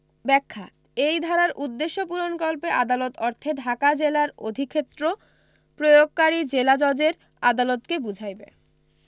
ব্যাখ্যা এই ধারার উদ্দেশ্য পূরণকল্পে আদালত অর্থে ঢাকা জেলার অধিক্ষেত্র প্রয়োগকারী জেলাজজের আদালতকে বুঝাইবে